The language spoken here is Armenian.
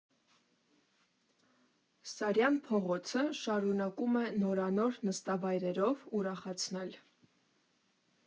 Սարյան փողոցը շարունակում է նորանոր նստավայրերով ուրախացնել։